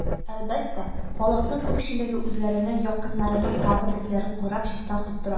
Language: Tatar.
Әлбәттә, халыкның күпчелеге үзләренең якыннарының каберлекләрен карап, чистартып тора.